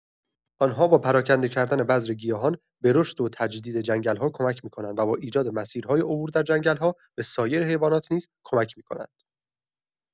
آنها با پراکنده کردن بذر گیاهان به رشد و تجدید جنگل‌ها کمک می‌کنند و با ایجاد مسیرهای عبور در جنگل‌ها، به سایر حیوانات نیز کمک می‌کنند.